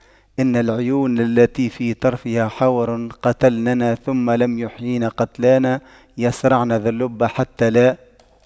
إن العيون التي في طرفها حور قتلننا ثم لم يحيين قتلانا يَصرَعْنَ ذا اللب حتى لا